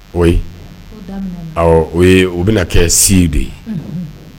O ɔ o u bɛna kɛ si de ye